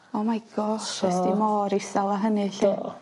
Oh my gosh... So... ...esh di mor isel â hynny 'lly? Do.